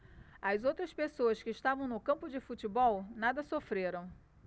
as outras pessoas que estavam no campo de futebol nada sofreram